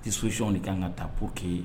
Tɛ sosiw de kan ka taapokee